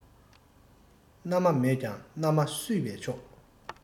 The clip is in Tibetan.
མནའ མ མེད ཀྱང མནའ མ བསུས པས ཆོག